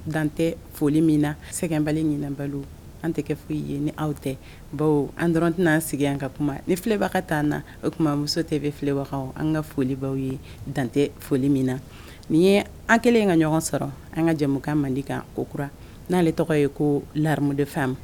Dantɛ foli min na sɛgɛ bali ni balo an tɛ kɛ foyi ye ni aw tɛ baw an dɔrɔn tɛna'an sigin an ka kuma ni filɛbaga taa na o tuma muso tɛ bɛ filɛbaga an ka folibaw ye dantɛ foli min na nin ye an kɛlen ka ɲɔgɔn sɔrɔ an ka jama man kan okura n'ale tɔgɔ ye ko lamudefɛn